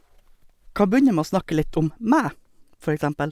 Kan begynne med å snakke litt om meg, for eksempel.